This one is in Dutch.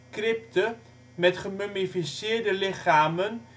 crypte met gemummificeerde lichamen